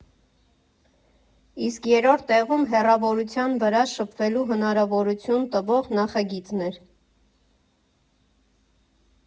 Իսկ երրորդ տեղում հեռավորության վրա շփվելու հնարավորություն տվող նախագիծն էր.